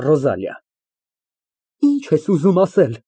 ՌՈԶԱԼԻԱ ֊ Ի՞նչ ես ուզում ասել։